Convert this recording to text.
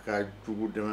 Ka jugu dama